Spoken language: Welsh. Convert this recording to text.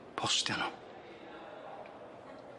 Postia nw.